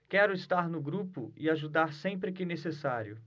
quero estar no grupo e ajudar sempre que necessário